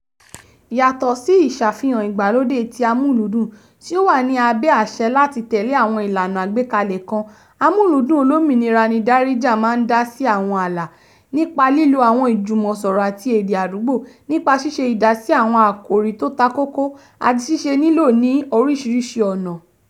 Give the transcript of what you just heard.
Yàtọ̀ sí ìṣàfihàn ìgbàlódé ti amúlùúdùn, tí ó wà ní abẹ́ àṣẹ láti tẹ̀lé àwọn ìlànà àgbékalẹ̀ kan, àmúlùúdùn olómìnira ní Darija máa ń dásí àwọn ààlà, nípa lílo àwọn ìjùmọ̀sọ̀rọ̀ àti èdè àdúgbò, nípa ṣíṣe ìdásí àwọn àkórí tó ta kókó, àti ṣíṣe lílò ní oríṣìíríṣìí ọ̀nà.